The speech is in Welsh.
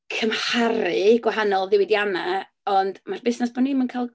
Cymharu gwahanol ddiwydiannau, ond mae'r busnes bo' ni'm yn cael...